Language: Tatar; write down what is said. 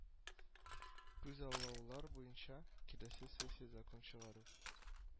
Күзаллаулар буенча, киләсе сессия закон чыгару